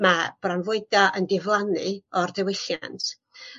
mae bronfwydo yn diflannu o'r diwylliant